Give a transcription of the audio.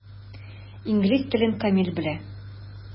Инглиз телен камил белә.